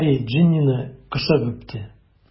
Һарри Джиннины кысып үпте.